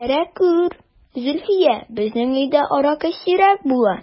Кичерә күр, Зөлфия, безнең өйдә аракы сирәк була...